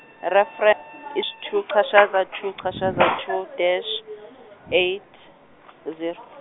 refre- two chashaza two chashaza two dash, eight, zero.